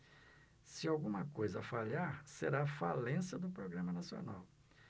se alguma coisa falhar será a falência do programa nacional